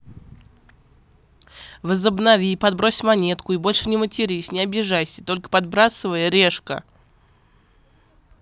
возобнови подбрось монетку и больше не матерись не обижайся только подбрасывая решка